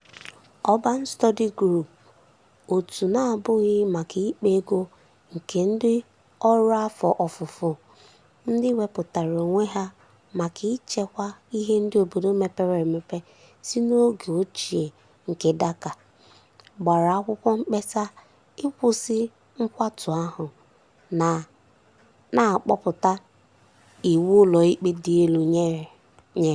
Urban Study Group, òtù na-abụghị maka ịkpa ego nke ndị ọru afọ ofufo ndị wepụtara onwe ha maka ichekwa ihe ndị obodo mepere emepe si n'oge ochie nke Dhaka, gbara akwukwọ mkpesa ịkwụsi nkwatu ahụ, na-akpọpụta iwu Ụlọ Ikpe Di Elu nyere.